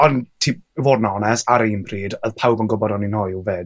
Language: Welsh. ond ti... I fod yn onest ar yr un pryd, odd pawb yn gwbod o'n i'n hoyw 'fyd.